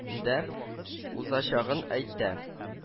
Дә узачагын әйтә